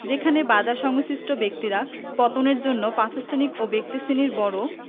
সেখানে বাজারসংশ্লিষ্ট ব্যক্তিরা পতনের জন্য প্রাতিষ্ঠানিক ও ব্যক্তিশ্রেণির বড়